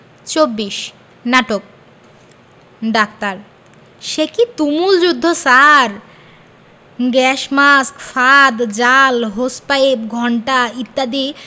২৪ নাটক ডাক্তার সেকি তুমুল যুদ্ধ স্যার গ্যাস মাস্ক ফাঁদ জাল হোস পাইপ ঘণ্টা ইত্যাদি